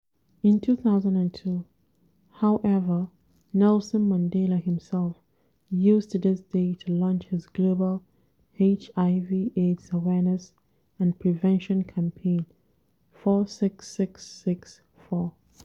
In 2002, however, Nelson Mandela himself used this day to launch his global HIV/AIDS awareness and prevention campaign, 46664.